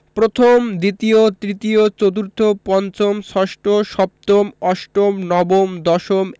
প্রথম দ্বিতীয় তৃতীয় চতুর্থ পঞ্চম ষষ্ঠ সপ্তম অষ্টম নবম দশম